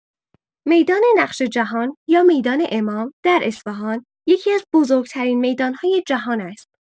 میدان نقش‌جهان یا میدان امام در اصفهان یکی‌از بزرگ‌ترین میدان‌های جهان است.